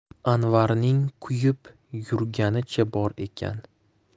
anvaring kuyib yurganicha bor ekan